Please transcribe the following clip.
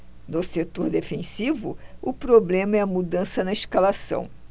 no setor defensivo o problema é a mudança na escalação